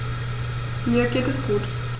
Mir geht es gut.